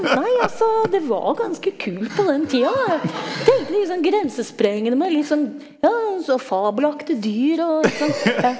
nei altså det var ganske kult på den tida da tenkte litt sånn grensesprengende med litt sånn ja sånn fabelaktige dyr og ikke sant ja.